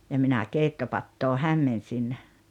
ja minä keittopataa hämmensin